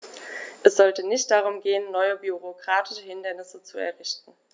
Es sollte nicht darum gehen, neue bürokratische Hindernisse zu errichten.